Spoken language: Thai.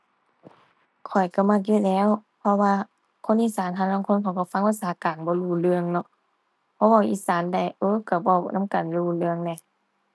ข้อยก็มักอยู่แหล้ว เพราะว่าคนอีสานห่าลางคนเขาก็ฟังภาษากลางบ่รู้เรื่องเนาะ พอเว้าอีสานได้ เออ ก็เว้านำกันรู้เรื่องแหน่